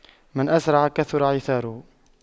من أسرع كثر عثاره